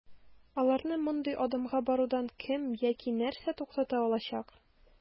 Аларны мондый адымга барудан кем яки нәрсә туктата алачак?